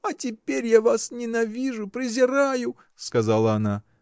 — А теперь я вас ненавижу, презираю, — сказала она.